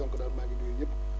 donc daal maa ngi nuyu ñëpp